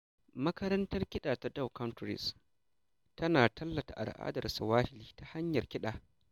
Makarantar kiɗa ta Dhow Countries tana tallata al'adar Swahili ta hanyar kiɗa